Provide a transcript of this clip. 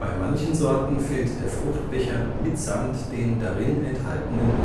manchen Sorten fällt der Fruchtbecher mitsamt den darin enthaltenen